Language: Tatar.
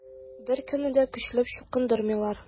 Беркемне дә көчләп чукындырмыйлар.